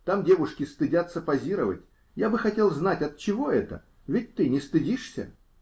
Там девушки стыдятся позировать. Я бы хотел знать, отчего это? Ведь ты не стыдишься?